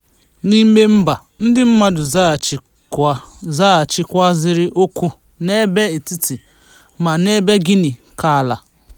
N'ime mba, ndị mmadụ zaghachikwazịrị òkù n'ebe Etiti ma n'ebe Guinea Ka Ala.